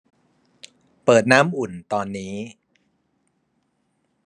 เปิดน้ำอุ่นตอนนี้